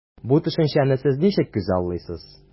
Бу төшенчәне сез ничек күзаллыйсыз?